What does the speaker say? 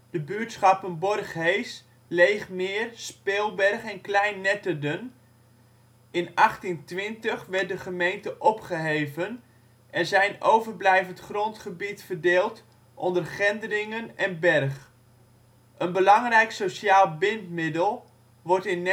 de buurtschappen Borghees, Leegmeer, Speelberg en Klein-Netterden. In 1820 werd de gemeente opgeheven en zijn overblijvend grondgebied verdeeld onder Gendringen en Bergh. Een belangrijk sociaal bindmiddel wordt in